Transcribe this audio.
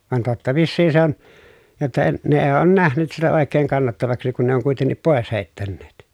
vaan totta vissiin se on jotta - ne ei ole nähnyt sitä oikein kannattavaksi kun ne on kuitenkin pois heittäneet